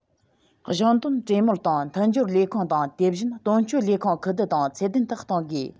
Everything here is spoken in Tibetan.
གཞུང དོན གྲོས མོལ དང མཐུན སྦྱོར ལས ཁུངས དང དེ བཞིན དོན གཅོད ལས ཁུངས ཁུ བསྡུ དང ཚད ལྡན དུ གཏོང དགོས